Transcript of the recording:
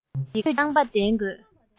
འགྲོ འདོད ཀྱི རྐང པ ལྡན དགོས